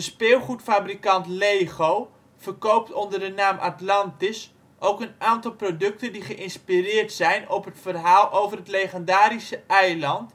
speelgoedfabrikant Lego verkoopt onder de naam Atlantis ook een aantal producten die geïnspireerd zijn op het verhaal over het legendarische eiland